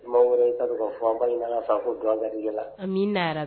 Fɔ balima garijɛ la